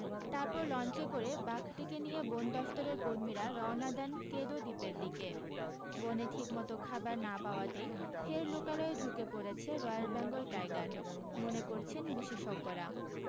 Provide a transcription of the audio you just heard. তারপর লঞ্চে করে বাঘটিকে নিয়ে বন দফতরের কর্মীরা রওনা দেন কেঁদো দ্বীপের দিকে বনে ঠিকমতো খাবার না পাওয়াতেই ফের লোকালয়ে ঢুকে পড়েছে রয়্যাল বেঙ্গল টাইগার মনে করছেন বিশেষজ্ঞরা